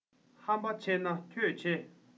ཧམ པ ཆེ ན ཁྱོད ཆེ